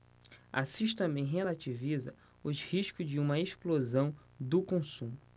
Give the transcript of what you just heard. assis também relativiza os riscos de uma explosão do consumo